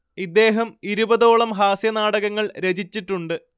ഇദ്ദേഹം ഇരുപതോളം ഹാസ്യ നാടകങ്ങൾ രചിച്ചിട്ടുണ്ട്